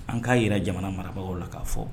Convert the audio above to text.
An k'a jira jamana marabagaw la k'a fɔ